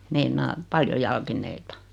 meinaan paljon jalkineita